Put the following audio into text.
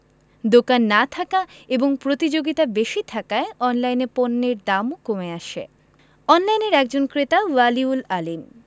দোকান না থাকা এবং প্রতিযোগিতা বেশি থাকায় অনলাইনে পণ্যের দামও কমে আসে অনলাইনের একজন ক্রেতা ওয়ালি উল আলীম